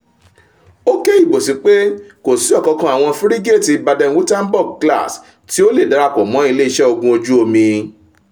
Ó ké ìbòsí pe kò sí ọ̀kankan àwọn fírígéètì Baden-Wuerttemberg-class tí ó le darapọ̀ mọ́ Ilé iṣẹ́ Ogún ojú omi.